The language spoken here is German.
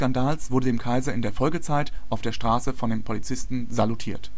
Skandals wurde dem Kaiser in der Folgezeit auf der Straße von den Polizisten salutiert